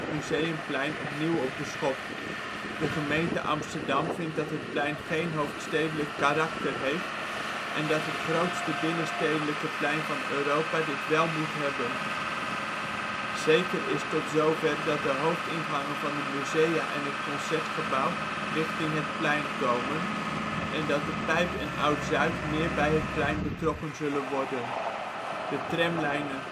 Museumplein opnieuw op de schop. De gemeente Amsterdam vindt dat het plein geen hoofdstedelijk karakter heeft, en dat het grootste binnenstedelijke plein van Europa dit wel moet hebben. Zeker is tot zover dat de hoofdingangen van de musea en het concertgebouw richting het plein komen en dat de Pijp en oud Zuid meer bij het plein betrokken zullen worden. De tramlijnen